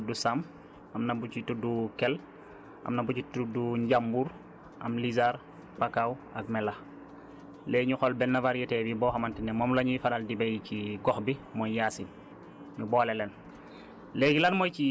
am na ci variété bu tudd sam am na bu ci tudd kell am na bu ci tudd njàmbur am lizaar pakaaw ak melax léegi ñu xool benn variété bi boo xamante ne moom la ñuy faral di bay ci gox bi mooy yaasin ñu boole leen